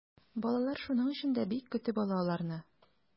Балалар шуның өчен дә бик көтеп ала аларны.